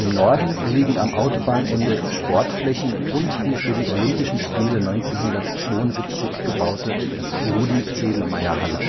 Norden liegen am Autobahnende Sportflächen und die für die Olympischen Spiele 1972 gebaute Rudi-Sedlmayer-Halle